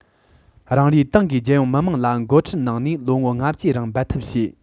རང རེའི ཏང གིས རྒྱལ ཡོངས མི དམངས ལ འགོ ཁྲིད གནང ནས ལོ ངོ ལྔ བཅུའི རིང འབད འཐབ བྱས